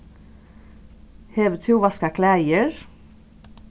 hevur tú vaskað klæðir